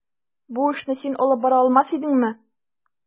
Бу эшне син алып бара алмас идеңме?